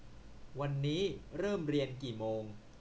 วันนี้เริ่มเรียนกี่โมง